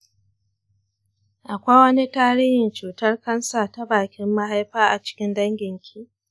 akwai wani tarihin cutar kansa ta bakin mahaifa a cikin danginki?